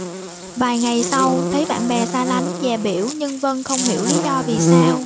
vài ngày sau thấy bạn bè xa lánh dè bỉu nhưng vân không hiểu lý do vì sao